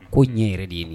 Ko diɲɛ yɛrɛ de ye